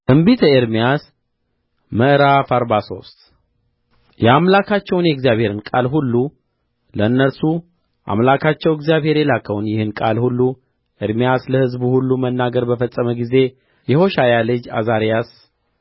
ትንቢተ ኤርምያስ ምዕራፍ አርባ ሶስት የአምላካቸውን የእግዚአብሔርን ቃል ሁሉ ለእነርሱ አምላካቸው እግዚአብሔር የላከውን ይህን ቃል ሁሉ ኤርምያስ ለሕዝቡ ሁሉ መናገርን በፈጸመ ጊዜ የሆሻያ ልጅ ዓዛርያስ